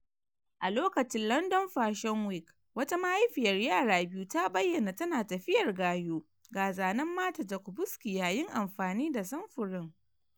A lokacin London Fashion Week, wata mahaifiyar yara biyu ta bayyana tana tafiyar gayu ga zanen Marta Jakubowski yayin amfani da samfurin.